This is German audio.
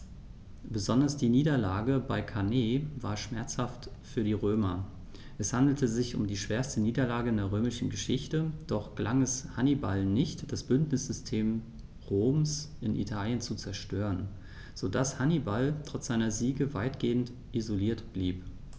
Besonders die Niederlage bei Cannae war schmerzhaft für die Römer: Es handelte sich um die schwerste Niederlage in der römischen Geschichte, doch gelang es Hannibal nicht, das Bündnissystem Roms in Italien zu zerstören, sodass Hannibal trotz seiner Siege weitgehend isoliert blieb.